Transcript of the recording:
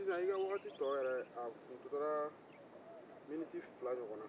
sisan i ka wagati to tun tora miniti fila ɲɔgɔnna